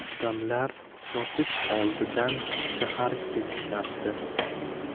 odamlar yotish oldidan shahar kezishardi